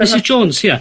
...Misis Jones ia?